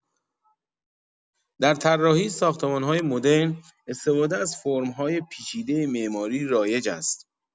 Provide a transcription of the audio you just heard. در طراحی ساختمان‌های مدرن، استفاده از فرم‌های پیچیدۀ معماری رایج است.